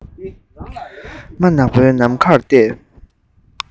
སྨག ནག པའི ནམ མཁར བལྟས